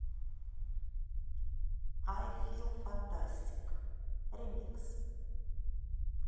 ай фил фантастик ремикс